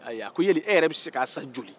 ayi a ko e yɛrɛ bɛ se k'a san joli